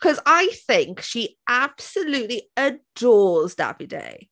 Because I think she absolutely adores Davide.